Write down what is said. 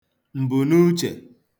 m̀bùnuchè